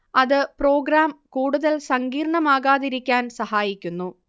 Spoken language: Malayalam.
അത് പ്രോഗ്രാം കൂടുതൽ സങ്കീർണ്ണമാകാതിരിക്കാൻ സഹായിക്കുന്നു